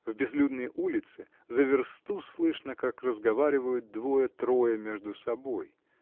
В безлюдной улице за версту слышно, как разговаривают двое, трое между собой.